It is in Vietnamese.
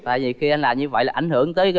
tại vì khi anh làm như vậy là ảnh hưởng tới